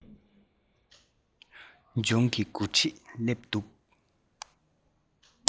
རྫོང གི མགོ ཁྲིད སླེབས འདུག